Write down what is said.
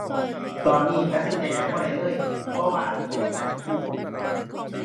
ตอนนี้ตัดสินใจหยังบ่ได้เลย เพราะว่าบ่มีหม้องให้กู้